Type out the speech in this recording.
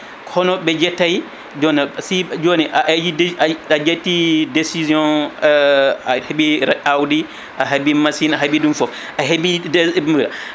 hono ɓe ƴettay joni si joni a a ƴetti décision a heeɓi awdi a heeɓi machine a heeɓe ɗum foof a heeɓi *